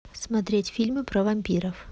смотреть фильмы про вампиров